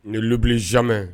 Ni lubbilen zmɛ